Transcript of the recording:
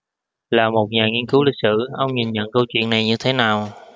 là một nhà nghiên cứu lịch sử ông nhìn nhận câu chuyện này như thế nào